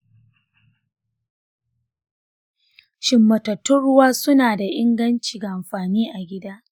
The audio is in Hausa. shin matatun ruwa suna da inganci ga amfani a gida?